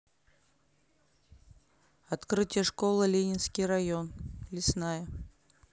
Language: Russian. открытие школы ленинский район лесная